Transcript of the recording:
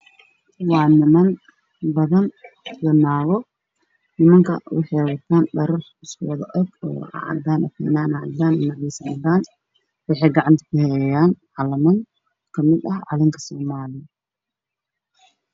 Waa niman badan iyo naago. Nimanka waxay wataan dhar isku eg oo cadaan ah, fanaanad cadaan iyo qamiis cadaan ah, waxay gacanta kuhayaan calamaan kamid ah calanka soomaaliyan.